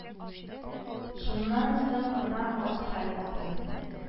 Шуннан соң гына ат хәл алды